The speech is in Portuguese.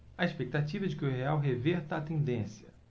a expectativa é de que o real reverta a tendência